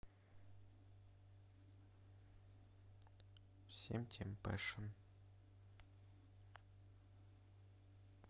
всем тем passion